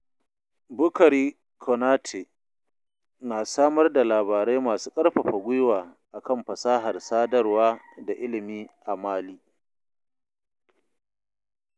Boukary Konaté na samar da labarai masu ƙarfafa gwiwa a kan fasahar sadarwa da ilimi a Mali.